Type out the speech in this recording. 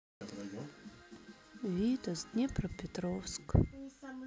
витас днепропетровск